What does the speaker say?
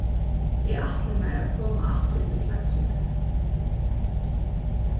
eg ætli mær at koma aftur til klaksvíkar